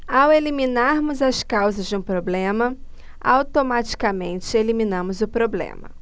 ao eliminarmos as causas de um problema automaticamente eliminamos o problema